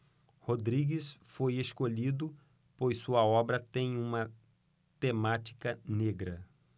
rodrigues foi escolhido pois sua obra tem uma temática negra